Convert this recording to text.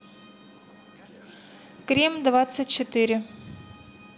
крем двадцать четыре